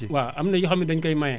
waaw am na yoo xam ne dañu koy maye